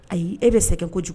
Ayi e bɛ segin kojugu